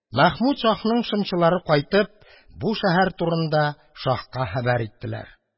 Мәхмүд шаһның шымчылары, кайтып, бу шәһәр турында шаһка хәбәр иттеләр.